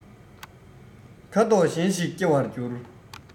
ཁ དོག གཞན ཞིག སྐྱེ བར འགྱུར